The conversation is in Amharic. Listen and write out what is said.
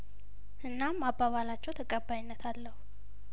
እናም አባባላቸው ተቀባይነት አለው